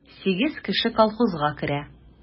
Сигез кеше колхозга керә.